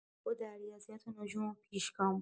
او در ریاضیات و نجوم پیشگام بود.